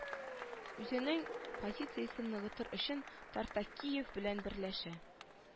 Үзенең позициясен ныгытыр өчен тартакиев белән берләшә